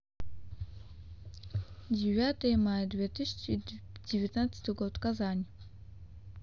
девятое мая две тысячи девятнадцатый год казань